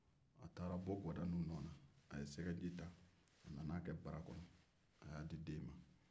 a ye sɛgɛj ta k'a kɛ bara kɔnɔ ka n'a di den ma